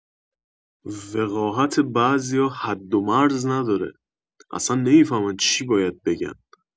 وقاحت بعضیا حد و مرز نداره، اصلا نمی‌فهمن چی باید بگن.